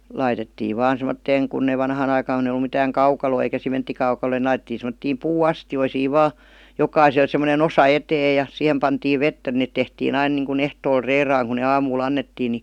laitettiin vain semmoiseen kun ei vanhaan aikaan kun ei ollut mitään kaukaloa eikä sementtikaukaloita niin laitettiin semmoisiin puuastioihin vain jokaiselle semmoinen osa eteen ja siihen pantiin vettä ne tehtiin aina niin kuin ehtoolla reilaan kun ne aamulla annettiin niin